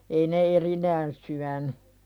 ei ne erikseen syönyt